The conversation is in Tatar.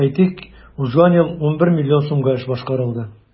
Әйтик, узган ел 11 миллион сумга эш башкарылды.